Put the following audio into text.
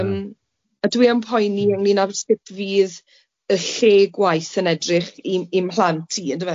Yym a dwi yn poeni ynglŷn â sut fydd y lle gwaith yn edrych i i'm mhlant i yndyfe?